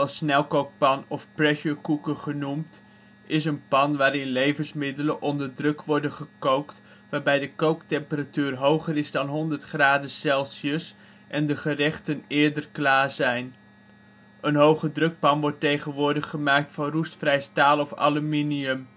snelkookpan of pressure cooker genoemd, is een pan waarin levensmiddelen onder druk worden gekookt, waarbij de kooktemperatuur hoger is dan 100 ° Celsius en de gerechten eerder klaar zijn. Een hogedrukpan wordt tegenwoordig gemaakt van roestvrij staal of aluminium